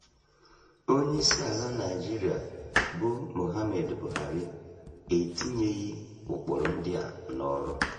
Onyeisiala Naịjirịa bụ Muhammadu Buhari etinyeghị ụkpụrụ ndị a n'ọrụ.